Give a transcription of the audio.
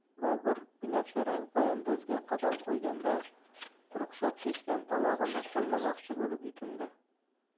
bobur binafsharang poyandozga qadam qo'yganda quruqshab ketgan tomog'ini ho'llamoqchi bo'lib yutindi